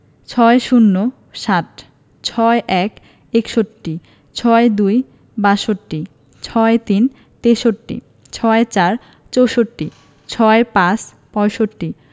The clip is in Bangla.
৬০ - ষাট ৬১ – একষট্টি ৬২ – বাষট্টি ৬৩ – তেষট্টি ৬৪ – চৌষট্টি ৬৫ – পয়ষট্টি